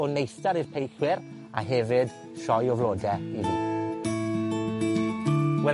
o neithdar i'r peillwyr, a hefyd, sioe o flode, i fi. Wel,